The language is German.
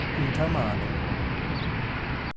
Untermalung). Die